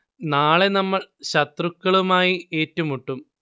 നാളെ നമ്മൾ ശത്രുക്കളുമായി ഏറ്റുമുട്ടും